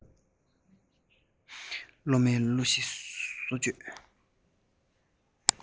སློབ མའི སྦྱོང གཞི བཟོ བཅོས